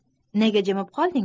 nega jimib qolding